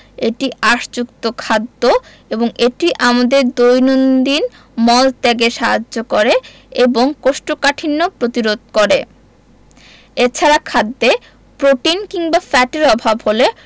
এটি আঁশযুক্ত খাদ্য এবং এটি আমাদের দৈনন্দিন মল ত্যাগে সাহায্য করে এবং কোষ্ঠকাঠিন্য প্রতিরোধ করে এছাড়া খাদ্যে প্রোটিন কিংবা ফ্যাটের অভাব হলে